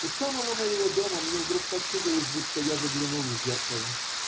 У самого моего дома мне вдруг почудилось, будто я заглянул в зеркало.